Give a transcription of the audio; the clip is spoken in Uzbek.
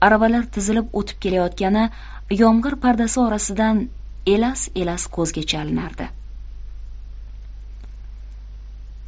aravalar tizilib o'tib kelayotgani yomg'ir pardasi orasidan elas elas ko'zga chalinardi